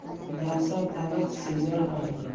dahsar tariq sesar hayqiriq